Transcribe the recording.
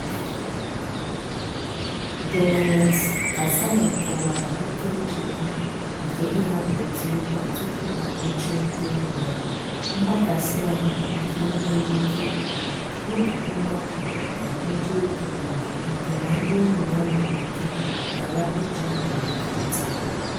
Jomanex Kasaye kọwara oke nchegbu nke ịhapụ Ethiopia tupu a nwụchie ndị enyi ya — mgbakasị ahụ nke enweghị ike — obi mmapụ na ụjọ ebighị ebi nke na ndị enyi ya nwere ike ghara iji ndụ ha pụta.